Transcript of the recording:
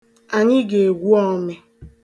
Anyị ga-egwu ọmị.